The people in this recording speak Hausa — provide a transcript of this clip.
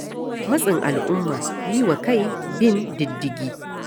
Matsin al'umma, yi wa kai bin diddigi